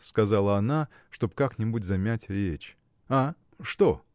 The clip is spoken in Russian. – сказала она, чтоб как-нибудь замять речь. – А? что?